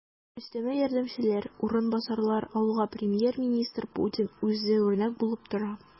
Өстәмә ярдәмчеләр, урынбасарлар алуга премьер-министр Путин үзе үрнәк булып тора.